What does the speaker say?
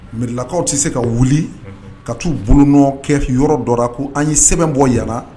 Milakaw tɛ se ka wuli ka taau bolona kɛ yɔrɔ dɔ ko an ye sɛbɛnbɛn bɔ yala